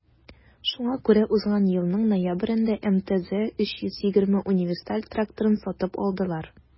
Шуңа күрә узган елның ноябрендә МТЗ 320 универсаль тракторын сатып алдылар.